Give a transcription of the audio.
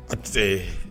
Atɛ